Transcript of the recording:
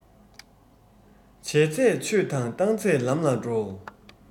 བྱས ཚད ཆོས དང བཏང ཚད ལམ ལ འགྲོ